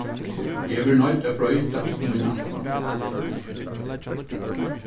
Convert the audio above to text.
eg verði noydd at broyta mína ætlan